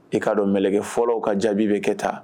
I ka dɔn mɛlɛgɛ fɔlɔw ka jaabi bɛ kɛ taa